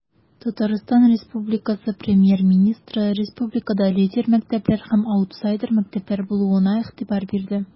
ТР Премьер-министры республикада лидер мәктәпләр һәм аутсайдер мәктәпләр булуына игътибар бирде.